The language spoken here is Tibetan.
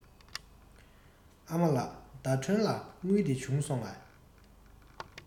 ཨ མ ལགས ཟླ སྒྲོན ལ དངུལ དེ བྱུང སོང ངས